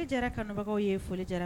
Foli jɛra kabagaww ye foli jara